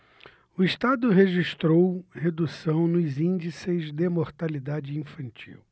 o estado registrou redução nos índices de mortalidade infantil